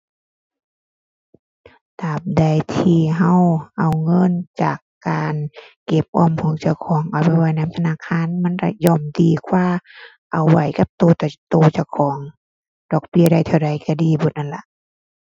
ตราบใดที่เราเอาเงินจากการ เก็บออมของเจ้าของ เอาไปไว้นำธนาคาร มัน ถะ ย่อมดีกว่า เอาไว้กับเรา เราเจ้าของ ดอกเบี้ยได้เท่าใดเราดีเบิดนั่นล่ะ